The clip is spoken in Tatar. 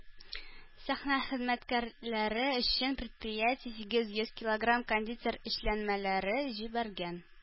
Сәхнә хезмәткәрләре өчен предприятие сигез йөз килограмм кондитер эшләнмәләре җибәргән.